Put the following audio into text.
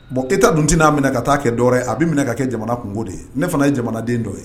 Bon kiyita dunt n'a minɛ ka taa kɛ d ye a bɛ minɛ ka kɛ jamana kun de ye ne fana ye jamanaden dɔ ye